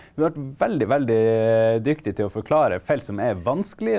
du har vært veldig, veldig dyktig til å forklare et felt som er vanskelig.